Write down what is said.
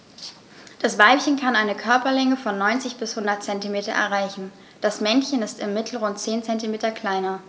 Das Weibchen kann eine Körperlänge von 90-100 cm erreichen; das Männchen ist im Mittel rund 10 cm kleiner.